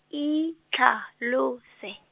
itlhalose.